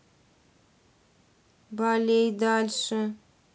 балей дальше